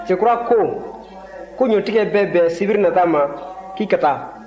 cɛkura ko ko ɲɔtigɛ bɛ bɛn sibiri nata ma k'i ka taa